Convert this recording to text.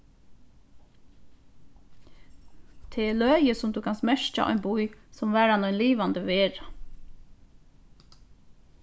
tað er løgið sum tú kanst merkja ein bý sum var hann ein livandi vera